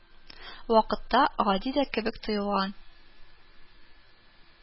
Вакытта гади дә кебек тоелган